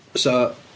So...